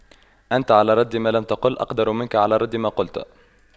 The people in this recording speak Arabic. أنت على رد ما لم تقل أقدر منك على رد ما قلت